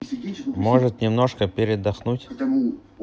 может немножко передохнуть